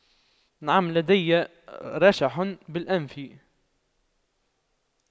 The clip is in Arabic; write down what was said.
نعم لدي رشح بالأنف